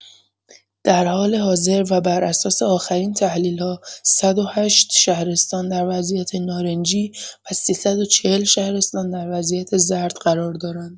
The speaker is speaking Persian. در حال حاضر و بر اساس آخرین تحلیل‌ها، ۱۰۸ شهرستان در وضعیت نارنجی و ۳۴۰ شهرستان در وضعیت زرد قرار دارند.